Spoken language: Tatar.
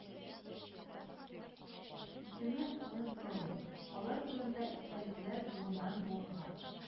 Исеме онытылмый, алар турында истәлекләр буыннан-буынга